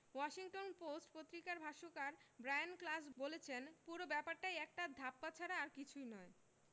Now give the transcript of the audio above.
Washington Post পত্রিকার ভাষ্যকার Brian Klaas বলেছেন পুরো ব্যাপারই একটা ধাপ্পা ছাড়া আর কিছুই নয়